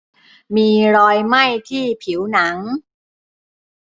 มีรอยไหม้ที่ผิวหนัง